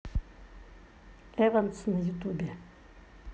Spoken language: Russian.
эванс на ютубе